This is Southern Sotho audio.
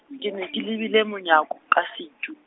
ke ne ke lebile monyako ka setu.